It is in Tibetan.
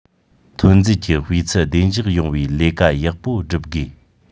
ཐོན རྫས ཀྱི སྤུས ཚད བདེ འཇགས ཡོང བའི ལས ཀ ཡག པོ བསྒྲུབ དགོས